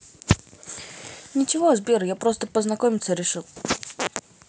ничего сбер я просто познакомься решил